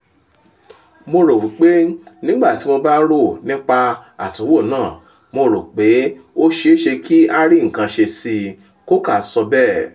"Mo rò wípé nígbà tí mo bá rò nípa àtúnwò náà, Mo rò pé ó ṣeéṣe kí a rí nǹkan ṣe sí i,” Coker sọ bẹ́ẹ̀.